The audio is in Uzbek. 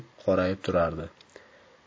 qorayib turardi